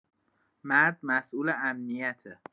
مرد مسئول امنیته؛